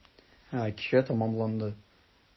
Кичә тәмамланды.